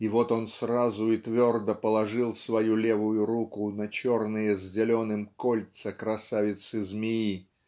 и вот он сразу и твердо положил свою левую руку на черные с зеленым кольца красавицы-змеи